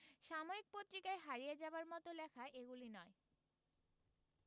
সাময়িক পত্রিকায় হারিয়ে যাবার মত লেখা এগুলি নয়